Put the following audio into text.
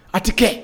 A tɛ kɛ